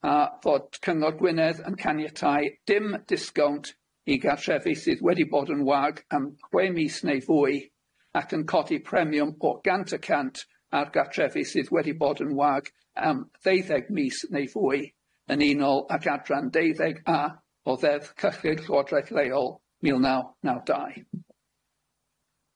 A fod Cyngor Gwynedd yn caniatáu dim disgownt i gartrefi sydd wedi bod yn wag am chwe mis neu fwy ac yn codi premiwm o gant y cant a'r gartrefi sydd wedi bod yn wag am ddeuddeg mis neu fwy, yn unol ag adran deuddeg a o ddeddf cyllid Llywodraeth leol mil naw naw dau.